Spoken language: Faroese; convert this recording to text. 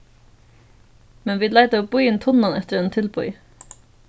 men vit leitaðu býin tunnan eftir einum tilboði